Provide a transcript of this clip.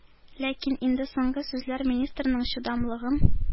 Ләкин инде соңгы сүзләр министрның чыдамлыгын